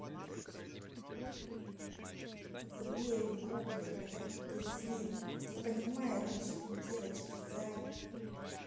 забей в гугле этот глупый свин не понимает мечту девочки зайки